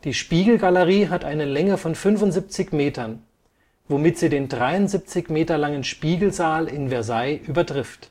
Spiegelgalerie hat eine Länge von 75 Metern, womit sie den 73 Meter langen Spiegelsaal in Versailles übertrifft